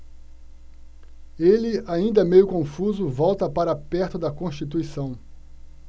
ele ainda meio confuso volta para perto de constituição